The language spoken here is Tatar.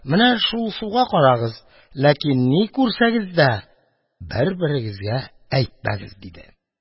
Менә шул суга карагыз, ләкин ни күрсәгез дә, бер-берегезгә әйтмәгез, – диде.